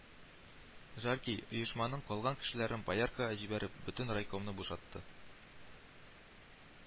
Жаркий, оешманың калган кешеләрен Бояркага җибәреп, бөтен райкомны бушатты